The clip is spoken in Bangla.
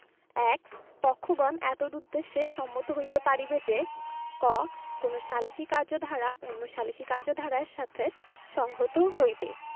১ পক্ষগণ এতদুদ্দেশ্যে সম্মত হইতে পারিবে যে ক কোন সালিসী কার্যধারা অন্য সালিসী কার্যধারার সাথে সংহত হইবে